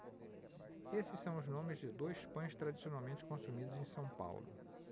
esses são os nomes de dois pães tradicionalmente consumidos em são paulo